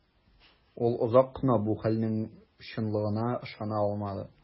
Ул озак кына бу хәлнең чынлыгына ышана алмады.